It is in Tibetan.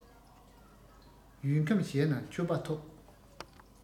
ཡུལ ཁམས གཞན ན མཆོད པ ཐོབ